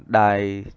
đài